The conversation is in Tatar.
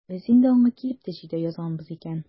Без инде аңа килеп тә җитә язганбыз икән.